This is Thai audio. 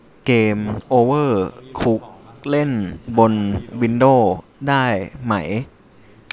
เกมโอเวอร์คุกเล่นบนวินโด้ได้ไหม